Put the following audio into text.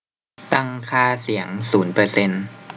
ตั้งค่าเสียงศูนย์เปอร์เซนต์